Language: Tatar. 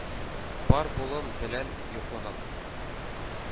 Бар булуым белән юклыгым.